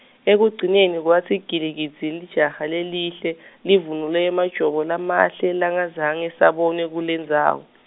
ekugcineni kwatsi gilikidzi lijaha lelihle, livunule emajobo lamahle, langazange sabonwe kulendzawo.